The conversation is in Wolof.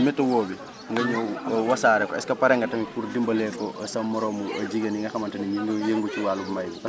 météo bi nga ñew wasaare ko est ce que pare nga tamit pour dimbalee ko sa moromu jigéen ñi nga xamante ne ñu ngi yëngu ci wàllu mbay mi